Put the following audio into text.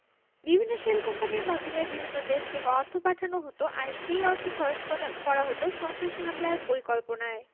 বিভিন্ন শেল কোম্পানির মাধ্যমে বিভিন্ন দেশ থেকে অর্থ পাঠানো হতো আর সেই অর্থ খরচ করা হতো সন্ত্রাসী হামলার পরিকল্পনায়